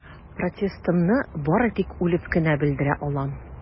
Протестымны бары тик үлеп кенә белдерә алам.